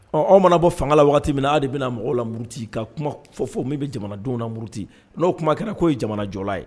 Ɔ mana bɔ fangala waati wagati min a de bɛna mɔgɔw la muruuruti ka kuma fɔ fɔ min bɛ jamanadenw na muruti n'o kuma kɛra k'o ye jamanajɔ ye